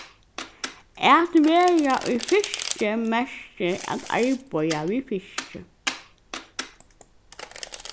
at vera í fiski merkir at arbeiða við fiski